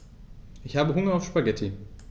Ich habe Hunger auf Spaghetti.